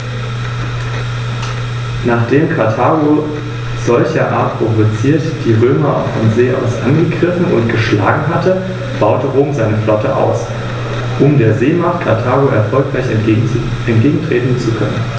An erster Stelle steht dabei der Gedanke eines umfassenden Naturschutzes.